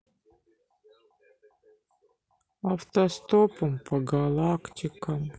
автостопом по галактикам